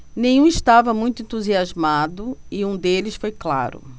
nenhum estava muito entusiasmado e um deles foi claro